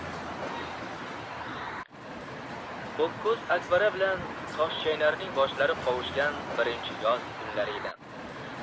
ko'kko'z akbara bilan toshchaynaming boshlari qovushgan birinchi yoz kunlari edi